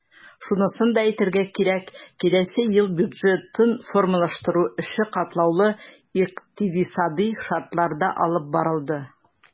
Шунысын да әйтергә кирәк, киләсе ел бюджетын формалаштыру эше катлаулы икътисадый шартларда алып барылды.